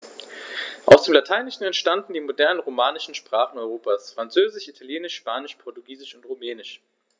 Aus dem Lateinischen entstanden die modernen „romanischen“ Sprachen Europas: Französisch, Italienisch, Spanisch, Portugiesisch und Rumänisch.